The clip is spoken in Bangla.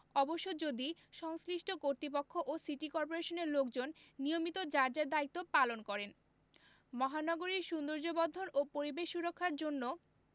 অবশ্য যদি সংশ্লিষ্ট কর্তৃপক্ষ ও সিটি কর্পোরেশনের লোকজন নিয়মিত যার যার দায়িত্ব পালন করেন মহানগরীর সৌন্দর্যবর্ধন ও পরিবেশ সুরক্ষার জন্য